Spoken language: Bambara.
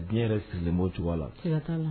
Diɲɛ yɛrɛ sigilenbo cogoya la